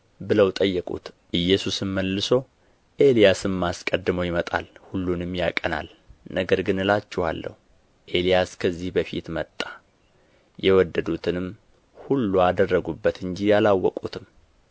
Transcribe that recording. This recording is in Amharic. ብለው ጠየቁት ኢየሱስም መልሶ ኤልያስማ አስቀድሞ ይመጣል ሁሉንም ያቀናል ነገር ግን እላችኋለሁ ኤልያስ ከዚህ በፊት መጣ የወደዱትንም ሁሉ አደረጉበት እንጂ አላወቁትም